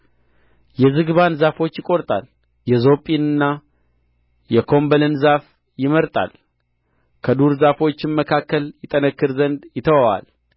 የዝግባን ዛፎች ይቈርጣል የዞጲንና የኮምቦልን ዛፍ ይመርጣል ከዱር ዛፎችም መካከል ይጠነክር ዘንድ ይተወዋል